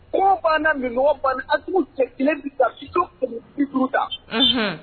Kɔɔn b'an na minɔgɔ b'an na Assimi u cɛ kelen bi ka sijo150 ta unhun